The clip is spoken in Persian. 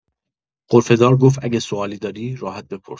غرفه‌دار گفت اگه سوالی داری، راحت بپرس.